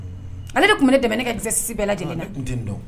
Ale de tun bɛ ne demɛ ne ka exercices bɛɛ lajɛlen na; ne kun tɛ nin dɔn wo.